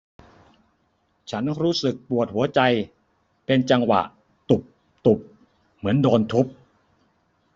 ฉันรู้สึกปวดหัวใจเป็นจังหวะตุ้บตุ้บเหมือนโดนทุบ